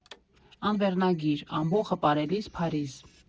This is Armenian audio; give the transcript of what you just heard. Անվերնագիր (Ամբոխը պարելիս, Փարիզ)